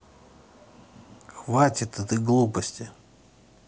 хватит этой глупости